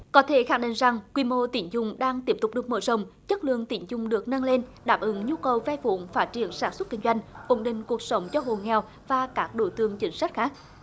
có thể khẳng định rằng quy mô tín dụng đang tiếp tục được mở rộng chất lượng tín dụng được nâng lên đáp ứng nhu cầu vay vốn phát triển sản xuất kinh doanh ổn định cuộc sống cho hộ nghèo và các đối tượng chính sách khác